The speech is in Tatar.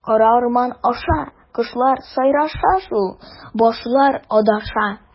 Кара урман аша, кошлар сайраша шул, башлар адаша.